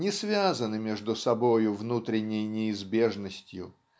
не связаны между собою внутренней неизбежностью